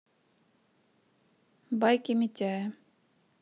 байки митяя